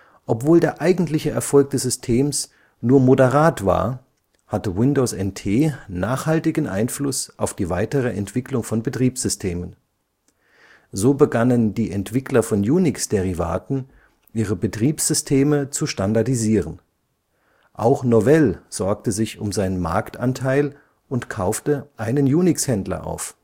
Obwohl der eigentliche Erfolg des Systems nur moderat war, hatte Windows NT nachhaltigen Einfluss auf die weitere Entwicklung von Betriebssystemen: So begannen die Entwickler von Unix-Derivaten, ihre Betriebssysteme zu standardisieren. Auch Novell sorgte sich um seinen Marktanteil und kaufte einen Unix-Händler auf